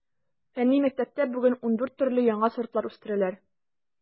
Фәнни мәктәптә бүген ундүрт төрле яңа сортлар үстерәләр.